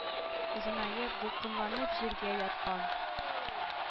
Озынаеп, дулкынланып, җиргә яткан.